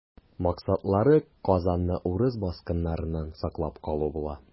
Максатлары Казанны урыс баскыннарыннан саклап калу була.